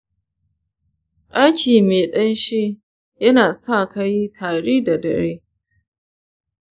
daki mai ɗanshi yana sa ka yi tari da dare?